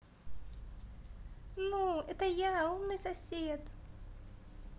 ну это я умный сосед